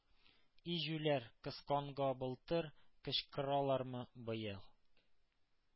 И җүләр! Кысканга былтыр, кычкыралармы быел!»